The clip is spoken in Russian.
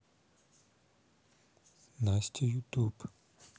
настя ютуб